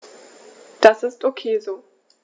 Das ist ok so.